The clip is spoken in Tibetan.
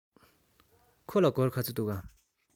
ཁོ ལ སྒོར ག ཚོད འདུག གམ